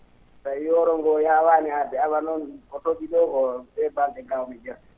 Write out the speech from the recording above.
tawi yooro ngoo yaawaani arde Allah noon ko to?i ?oo koo ?ee bal?e ngawmi gerte